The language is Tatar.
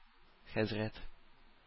Хәзрәт